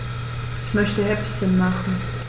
Ich möchte Häppchen machen.